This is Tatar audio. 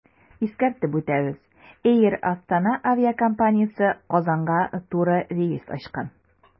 Искәртеп үтәбез, “Эйр Астана” авиакомпаниясе Казанга туры рейс ачкан.